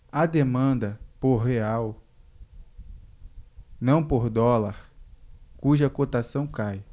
há demanda por real não por dólar cuja cotação cai